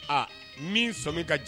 A min sɔmi ka j